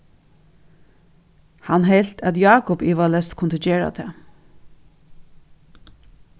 hann helt at jákup ivaleyst kundi gera tað